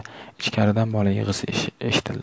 ichkaridan bola yig'isi eshitildi